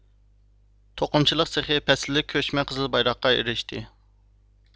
توقۇمىچىلىق سېخى پەسىللىك كۆچمە قىزىل بايراققا ئېرىشتى